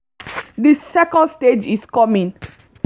The second stage is coming.